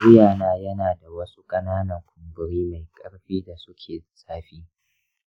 wuya na yana da wasu ƙananan kumburi mai ƙarfi da suke da zafi.